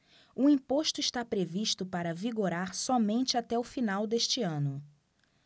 o imposto está previsto para vigorar somente até o final deste ano